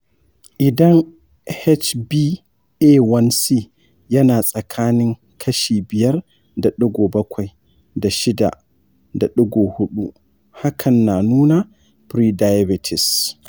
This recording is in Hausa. idan hba1c yana tsakanin kashi biyar da digo bakwai da shida da digo hudu, hakan na nuna prediabetes.